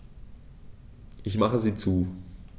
Ich mache sie zu.